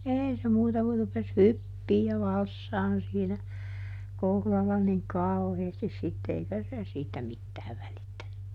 ei se muuta kuin rupesi hyppimään ja valssaamaan siinä kohdalla niin kauheasti sitten eikä se siitä mitään välittänyt